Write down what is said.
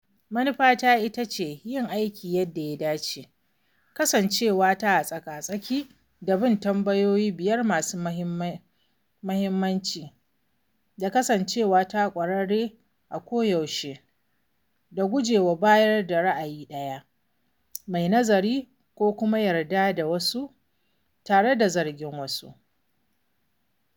Manufata ita ce yin aikin yadda ya dace: kasancewa a tsaka-tsaki da bin tambayoyi biyar masu muhimmanci da kasancewa ƙwararre a koyaushe da guje wa bayar da ra'ayi ɗaya mai nazari ko kuma yarda da wasu tare da zargin wasu.